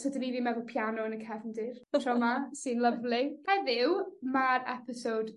...tydyn ni ddim ar y piano yn y cefndir tro 'ma sy'n lyfli heddiw ma'r episode